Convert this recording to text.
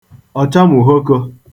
ọ̀chamùhokō